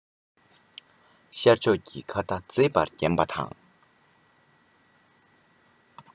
ཤར ཕྱོགས ཀྱི མཁའ མཐའ མཛེས པར བརྒྱན པ དང